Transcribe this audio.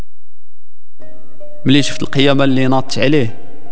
مليش في القيامه اللي ينط عليه